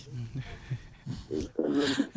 seydi Ba mi weltima